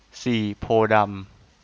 สี่โพธิ์ดำ